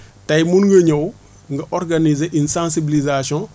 tey mun nga ñëw nga organiser une sensibilisation